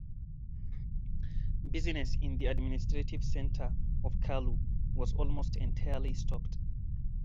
Business in the administrative center of Kalou was almost entirely stopped.